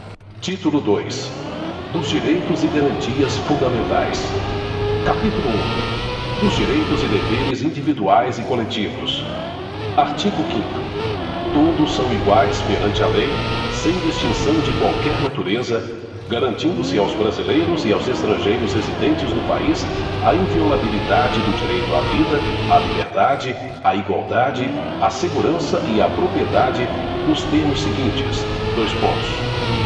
título dois dos direitos e garantias fundamentais capítulo um dos direitos e deveres individuais e coletivos artigo quinto todos são iguais perante a lei sem distinção de qualquer natureza garantindo se aos brasileiros e aos estrangeiros residentes no país a inviolabilidade do direito à vida à liberdade à igualdade à segurança e à propriedade nos termos seguintes dois pontos